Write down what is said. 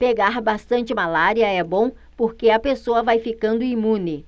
pegar bastante malária é bom porque a pessoa vai ficando imune